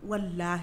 Wala